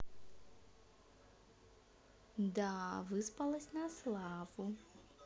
да выспалась на славу